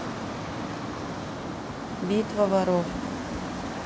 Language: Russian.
битва воров